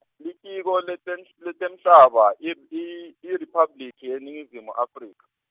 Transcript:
Litiko leTemhl- leTemhlaba ir- I, IRiphabliki yeNingizimu Afrika.